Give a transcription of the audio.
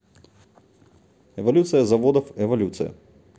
эволюция заводов эволюция